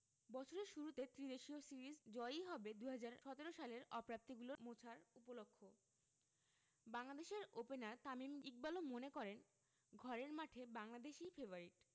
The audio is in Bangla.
বছরের শুরুতে ত্রিদেশীয় সিরিজ জয়ই হবে ২০১৭ সালের অপ্রাপ্তিগুলো মোছার উপলক্ষও বাংলাদেশের ওপেনার তামিম ইকবালও মনে করেন ঘরের মাঠে বাংলাদেশই ফেবারিট